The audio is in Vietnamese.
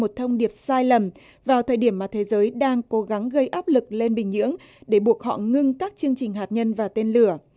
một thông điệp sai lầm vào thời điểm mà thế giới đang cố gắng gây áp lực lên bình nhưỡng để buộc họ ngưng các chương trình hạt nhân và tên lửa